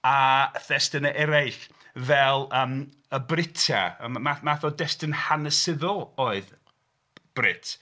A thestunau eraill fel yym y Brutau. M- math o destun hanesyddol oedd Brut.